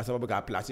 A sababu k' p